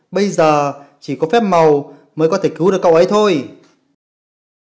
bây giờ chỉ có phép màu mới cứu được cậu ấy thôi